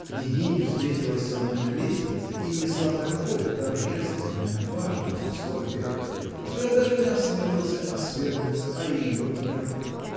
Княгиня встретилась со мной на лестнице и несла такое торжественное, важное лицо вверх, что я даже не осмелился осведомиться о ее нервах.